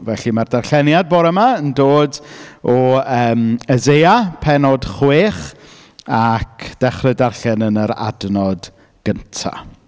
Felly, mae'r darlleniad bore yma yn dod o yym Eseia, pennod chwech ac dechrau darllen yn yr adnod gynta.